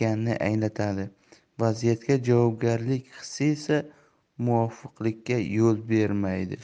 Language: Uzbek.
vaziyatga javobgarlik hissi esa munofiqlikka yo'l bermaydi